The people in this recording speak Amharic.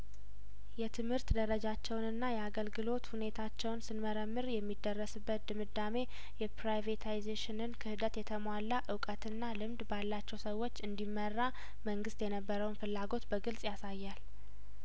የትምህርት ደረጃቸውንና የአገልግሎት ሁኔታቸውን ስንመረምር የሚደረስ በት ድምዳሜ የፕራይቬታይዜሽንን ክህደት የተሟላ እውቀትና ልምድ ባላቸው ሰዎች እንዲመራ መንግስት የነበረውን ፍላጐት በግልጽ ያሳያል